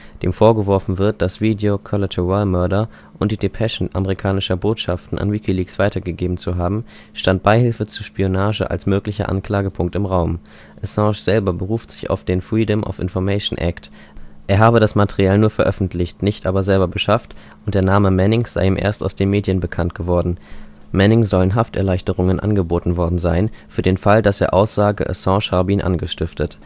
vorgeworfen wird, das Video „ Collateral Murder “und die Depeschen amerikanischer Botschaften an WikiLeaks weitergegeben zu haben, stand Beihilfe zur Spionage als möglicher Anklagepunkt im Raum. Assange selber beruft sich auf den Freedom of Information Act; er habe das Material nur veröffentlicht, nicht selber beschafft und der Name Mannings sei ihm erst aus den Medien bekannt geworden. Manning sollen Hafterleichterungen angeboten worden sein, für den Fall, dass er aussage, Assange habe ihn angestiftet